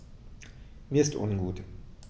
Mir ist ungut.